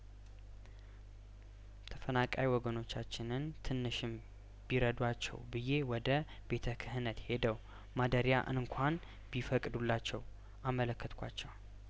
ተፈናቃይወገኖቻችንን ትንሽም ቢረዷቸው ብዬ ወደ ቤተ ክህነት ሄደው ማደሪያእንኳን ቢፈቅዱላቸው አመለከት ኳቸው